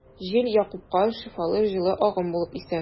Җил Якупка шифалы җылы агым булып исә.